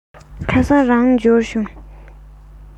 ཁ སང རང འབྱོར བྱུང